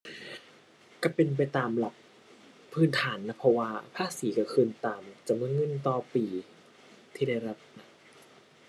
ก็เป็นไปตามหลักพื้นฐานนะ เพราะว่าภาษีก็ขึ้นตามจำนวนเงินต่อปีที่ได้รับ